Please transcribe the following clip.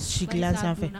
Si dilan sanfɛ wali n'a donna